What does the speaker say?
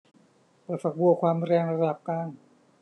เปิดฝักบัวความแรงระดับกลาง